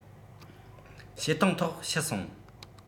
བྱེ ཐང ཐོག ཤི སོང